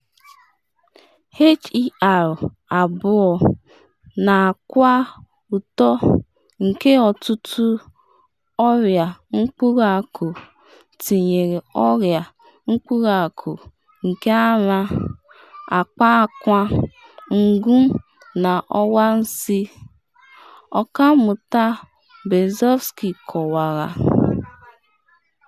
HER2 ”na-akwa uto nke ọtụtụ ọrịa mkpụrụ akụ,” tinyere ọrịa mkpụrụ akụ nke ara, akpa akwa, ngu na ọwa nsi, Ọkammụta Berzofsky kọwara.